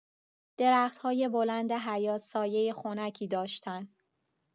درخت‌های بلند حیاط سایه خنکی داشتن.